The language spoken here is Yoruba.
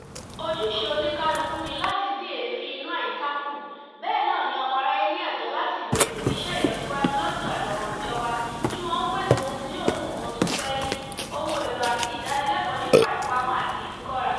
Ojúṣe oníkálukú ni láti dín èéfín inú àyíká kù, bẹ́ẹ̀ náà ni ọmọ aráyé ní ẹ̀tọ́ láti béèrè fún iṣẹ́ ìlọsíwájú láti ọ̀dọ̀ àwọn ìjọba kí wọn ó pèsè ohun tí yóò mú nǹkan sún pẹ́lí, ohun èlò àti ìdánilẹ́kọ̀ọ́ nípa ìpamọ́ àti ìfikọ́ra.